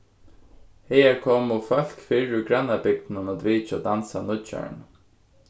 hagar komu fólk fyrr úr grannabygdunum at vitja og dansa á nýggjárinum